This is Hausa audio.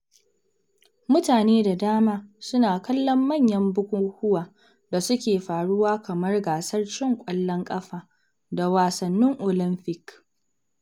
Mutane da dama suna kallon manyan bukukuwa da suke faruwa kamar Gasar Cin Ƙwallon Ƙafa da Wasannin Olamfik.